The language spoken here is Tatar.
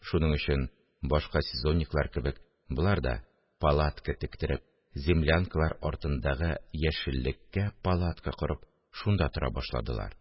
Шуның өчен, башка сезонниклар кебек, болар да палатка тектереп, землянкалар артындагы яшеллеккә палатка корып, шунда тора башладылар